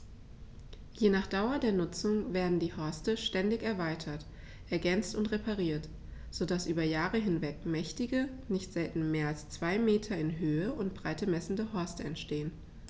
Je nach Dauer der Nutzung werden die Horste ständig erweitert, ergänzt und repariert, so dass über Jahre hinweg mächtige, nicht selten mehr als zwei Meter in Höhe und Breite messende Horste entstehen.